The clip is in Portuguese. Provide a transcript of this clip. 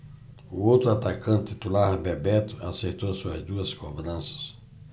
o outro atacante titular bebeto acertou suas duas cobranças